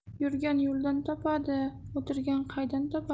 yurgan yo'ldan topadi o'tirgan qaydan topadi